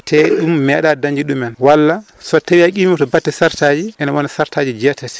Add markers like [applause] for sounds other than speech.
te ɗum [clears throat] meɗa dañde ɗumen so tawi a ewi to batte charette aji ene wona charette aji jeetati